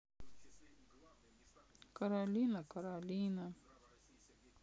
каролина каролина